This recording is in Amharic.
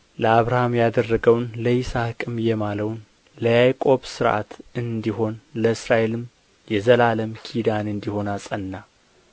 ለአብርሃም ያደረገውን ለይስሐቅም የማለውን ለያዕቆብ ሥርዓት እንዲሆን ለእስራኤልም የዘላለም ኪዳን እንዲሆን አጸና